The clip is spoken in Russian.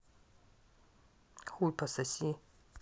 хуй пососи